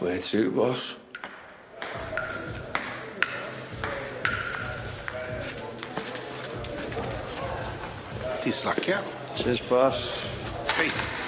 Where to boss?. Ti'n slacio. Cheers, boss. Hei.